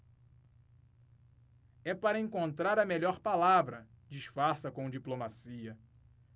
é para encontrar a melhor palavra disfarça com diplomacia